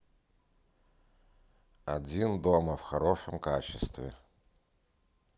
один дома в хорошем качестве